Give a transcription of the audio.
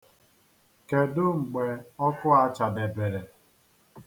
Kedu mgbe ọkụ a chadebere?